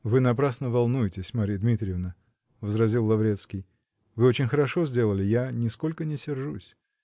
-- Вы напрасно волнуетесь, Марья Дмитриевна, -- возразил Лаврецкий, -- вы очень хорошо сделали я нисколько не сержусь.